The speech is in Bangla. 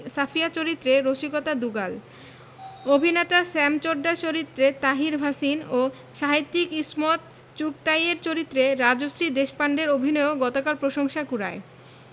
সাফিয়া চরিত্রে রসিকতা দুগাল অভিনেতা শ্যাম চড্ডার চরিত্রে তাহির ভাসিন ও সাহিত্যিক ইসমত চুগতাইয়ের চরিত্রে রাজশ্রী দেশপান্ডের অভিনয়ও গতকাল প্রশংসা কুড়ায়